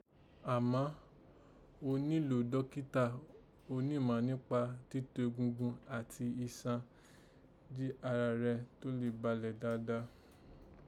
Àmá gho nílò dókítà onímà nípa títò egungun àti isan jí arà rẹ tó lè balẹ̀ dada